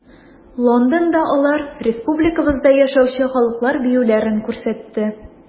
Лондонда алар республикабызда яшәүче халыклар биюләрен күрсәтте.